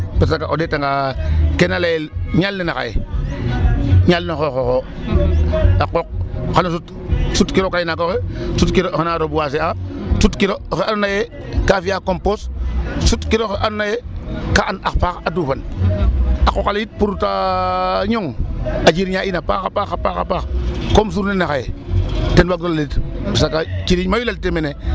Parce que o ɗeetanga ke na layel ñaal nene xaye ñaal na qooxoox o, a qooq xan o sut ,sutkiro o kaynaak oxe sutkiro oxe na reboiser a sutkiro oxe andona yee kaa fi'aa compose sutkiro oxe andna yee ka and ax a duufan .A qooq ale yit pour ta ñong a jirñaa a in a paax paax a paax comme journée ne xaye ten waagno lalit parce que ciriñ mayu lalta xaye .